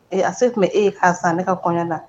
Ee a se tun bɛ e ye k'a san ne ka kɔɲɔn na.